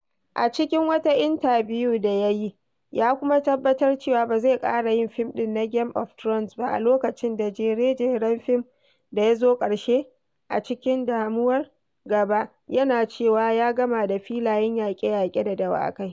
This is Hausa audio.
A cikin wata intabiyu da ya yi ya kuma tabbatar cewa ba zai ƙara yin fim ɗin na Game of Thrones ba a lokacin da jere-jeren fim da ya zo ƙarshe a cikin damunar gaba, yana cewa ya 'gama da filayen yaƙe-yaƙe da dawakai'.